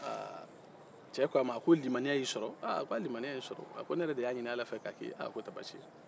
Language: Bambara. aaa cɛ ko a ma ko limaniya y''a sɔrɔ ko a limaniya ye ne sɔrɔ a ko ne yɛrɛ de y'a ɲini ala fɛ k'a k'i ye